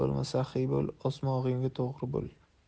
bo'l o'smog'ingga to'g'ri yo'l